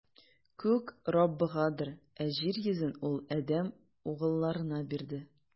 Күк - Раббыгадыр, ә җир йөзен Ул адәм угылларына бирде.